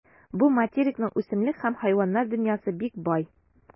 Бу материкның үсемлек һәм хайваннар дөньясы бик бай.